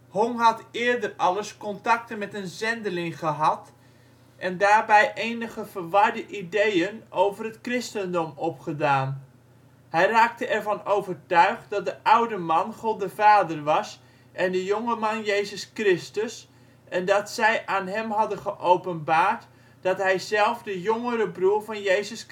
Hong had eerder al eens contacten met een zendeling gehad en daarbij enige verwarde ideeën over het christendom opgedaan. Hij raakte ervan overtuigd dat de oude man God de Vader was en de jonge man Jezus Christus en dat zij aan hem hadden geopenbaard dat hij zelf de Jongere Broer van